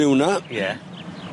...yw wnna. Ie.